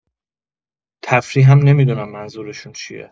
تفریحم نمی‌دونم منظورشون چیه.